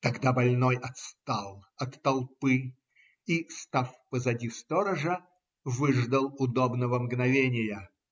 Тогда больной отстал от толпы и, став позади сторожа, выждал удобного мгновения.